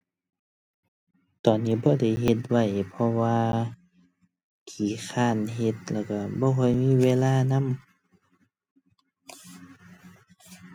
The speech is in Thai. ตอนนี้บ่ได้เฮ็ดไว้ เพราะว่าขี้คร้านเฮ็ด แล้วก็บ่ค่อยมีเวลานำ